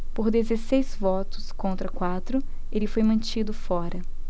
por dezesseis votos contra quatro ele foi mantido fora